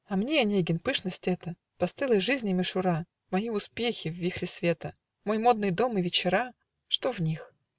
А мне, Онегин, пышность эта, Постылой жизни мишура, Мои успехи в вихре света, Мой модный дом и вечера, Что в них?